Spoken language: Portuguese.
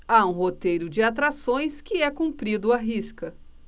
há um roteiro de atrações que é cumprido à risca